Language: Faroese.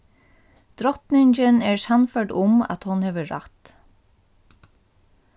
drotningin er sannførd um at hon hevur rætt